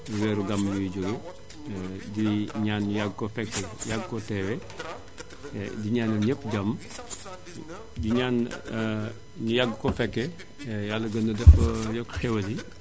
weeru gammu bi ñu jóge di ñaan Yàlla yàgg ko fekke yàgg ko teewee di ñaanal ñépp jàmm di ñaan ñu yàgg ko fekke Yàlla gën a def yokk xéwal yi